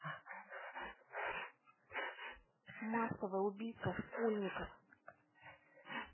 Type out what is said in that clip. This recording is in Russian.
массовое убийство школьников